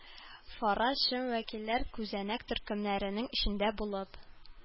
Фараз - чын вәкилләр күзәнәк төркемнәренең эчендә булып...